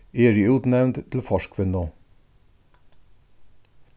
eg eri útnevnd til forkvinnu